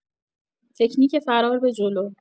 تکنیک فرار به‌جلو